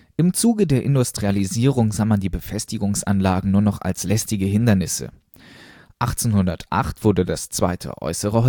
Im Zuge der Industrialisierung sah man die Befestigungsanlagen nur noch als lästige Hindernisse. 1808 wurde das Zweite Äußere Holstentor